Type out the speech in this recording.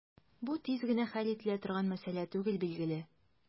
Бу тиз генә хәл ителә торган мәсьәлә түгел, билгеле.